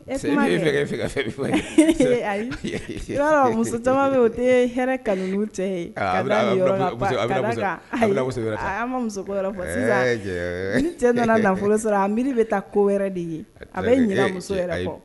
Caman cɛ nana sɔrɔ miri bɛ taa ko wɛrɛ de ye a bɛ